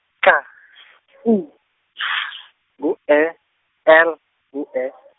K , U, S, ngu E, L, ngu E.